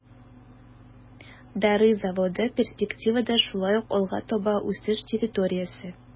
Дары заводы перспективада шулай ук алга таба үсеш территориясе.